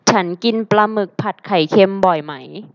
ฉันกินปลาหมึกผัดไข่เค็มบ่อยไหม